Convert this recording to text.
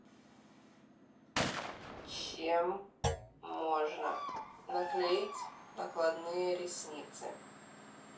чем можно наклеить накладные ресницы